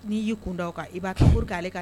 N'i y'i kun da aw kan i b'auru' aleale kan